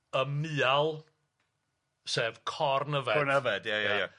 Y mial sef corn yfed. Corn yfed ia ia ia.